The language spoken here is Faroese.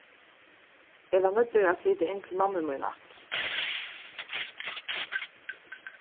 eg var noyddur at flyta inn til mammu mína aftur